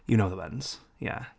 You know the ones yeah.